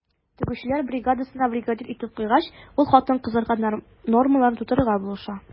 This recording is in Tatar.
Тегүчеләр бригадасына бригадир итеп куйгач, ул хатын-кызларга нормаларын тутырырга булыша.